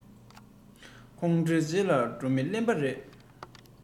ཁོང ཁྲོའི རྗེས ལ འགྲོ མི གླེན པ རེད